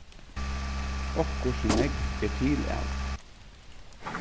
okkurt sum nógv er til av